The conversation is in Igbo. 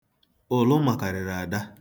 Ụlụ makarịrị ada.